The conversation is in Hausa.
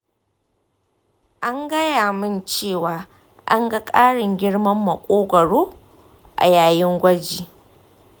an gaya min cewa an ga ƙarin girman maƙogwaro a yayin gwaji.